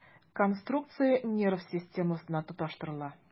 Конструкция нерв системасына тоташтырыла.